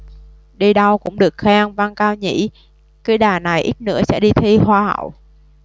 đi đâu cũng được khen vân cao nhỉ cứ đà này ít nữa sẽ đi thi hoa hậu